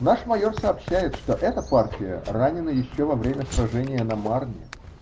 Наш майор сообщает, что эта партия ранена еще во время сражения на Марне.